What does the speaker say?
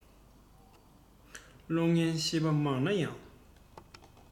བློ ངན ཤེས པ མང ན ཡང